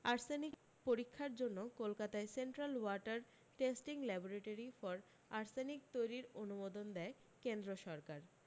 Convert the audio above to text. arsenic পরীক্ষার জন্য কলকাতায় central water testing laboratory for arsenic তৈরীর অনুমোদন দেয় কেন্দ্র সরকার